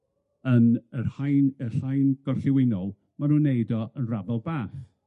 yn yr haen yr haen gorllewinol, ma' nw'n weud o yn raddol bach.